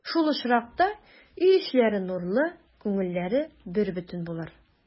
Шул очракта өй эчләре нурлы, күңелләре бербөтен булыр.